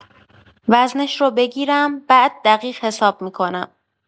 وزنش رو بگیرم، بعد دقیق حساب می‌کنم.